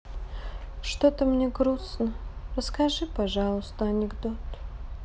что то мне грустно расскажи пожалуйста анекдот